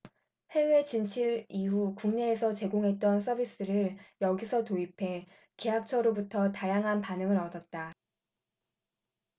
해외 진출 이후 국내에서 제공하던 서비스를 여기서 도입해 계약처로부터 다양한 반응을 얻었다